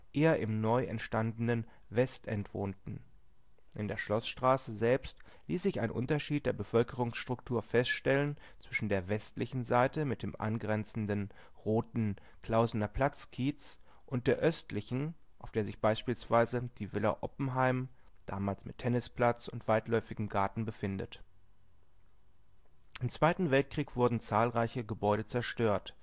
eher im neu entstandenen Westend wohnten. In der Schloßstraße selbst ließ sich ein Unterschied der Bevölkerungsstruktur feststellen zwischen der westlichen Seite mit dem angrenzenden „ roten “Klausener-Platz-Kiez und der östlichen, auf der sich beispielsweise die Villa Oppenheim (damals mit Tennisplatz und weitläufigem Garten) befindet. Im Zweiten Weltkrieg wurden zahlreiche Gebäude zerstört